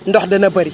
ndox dina bëri